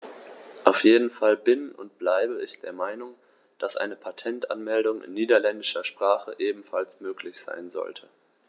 Auf jeden Fall bin - und bleibe - ich der Meinung, dass eine Patentanmeldung in niederländischer Sprache ebenfalls möglich sein sollte.